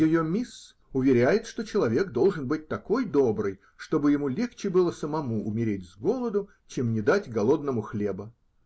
Ее мисс уверяет, что человек должен быть такой добрый, чтобы ему легче было самому умереть с голоду, чем не дать голодному хлеба.